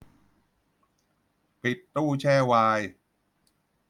ปิดตู้แช่ไวน์